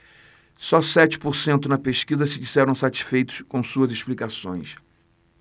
só sete por cento na pesquisa se disseram satisfeitos com suas explicações